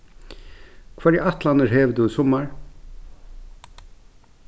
hvørjar ætlanir hevur tú í summar